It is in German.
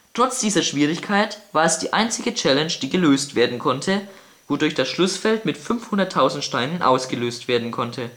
Trotz dieser Schwierigkeit war es die einzige Challenge, die gelöst werden konnte, wodurch das Schlussfeld mit 500.000 Steinen ausgelöst werden konnte